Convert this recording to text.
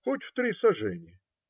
- Хоть в три сажени.